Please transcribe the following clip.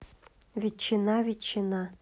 ветчина ветчина